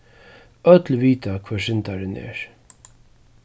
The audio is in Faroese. øll vita hvør syndarin er